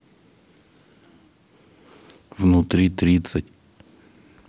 внутри тридцать